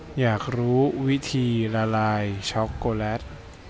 อยากรู้วิธีละลายช็อคโกแลต